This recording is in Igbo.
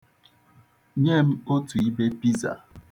Nye m otù ibe Pizà.